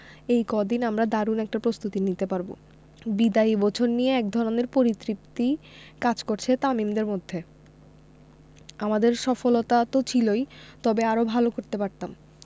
এই কদিনে আমরা দারুণ একটা প্রস্তুতি নিতে পারব বিদায়ী বছর নিয়ে একধরনের পরিতৃপ্তি কাজ করছে তামিম দের মধ্যে আমাদের সফলতা তো ছিলই তবে আরও ভালো করতে পারতাম